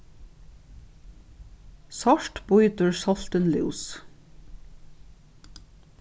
sárt bítur soltin lús